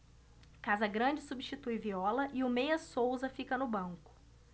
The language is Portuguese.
casagrande substitui viola e o meia souza fica no banco